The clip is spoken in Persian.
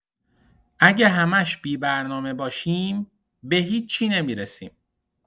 اگه همش بی‌برنامه باشیم، به هیچی نمی‌رسیم.